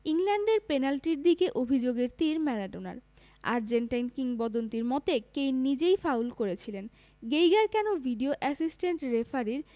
ইংল্যান্ডের পেনাল্টির দিকে অভিযোগের তির ম্যারাডোনার আর্জেন্টাইন কিংবদন্তির মতে কেইন নিজেই ফাউল করেছিলেন গেইগার কেন ভিডিও অ্যাসিস্ট্যান্ট রেফারির